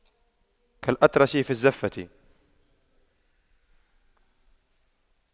كالأطرش في الزَّفَّة